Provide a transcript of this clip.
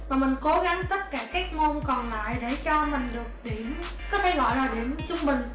mà mình cố gắng tất cả các môn còn lại để cho mình được điểm có thể gọi là điểm trung bình